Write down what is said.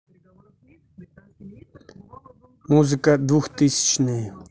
музыка двухтысячные